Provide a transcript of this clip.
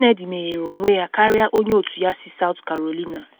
Kennedy meghere onwe ya karịa onye otu ya si South Carolina.